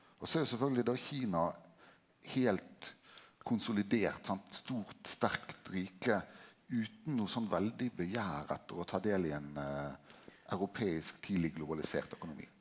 og så er jo sjølvsagt då Kina heilt konsolidert sant stort sterkt rike utan noko sånn veldig begjær etter å ta del i ein europeisk tidleg globalisert økonomi.